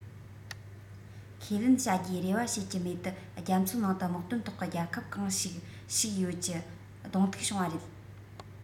ཁས ལེན བྱ རྒྱུའི རེ བ བྱེད ཀྱི མེད དུ རྒྱ མཚོའི ནང དུ དམག དོན ཐོག གི རྒྱལ ཁབ གང ཞིག ཞིག ཡོད ཀྱི གདོང ཐུག བྱུང བ རེད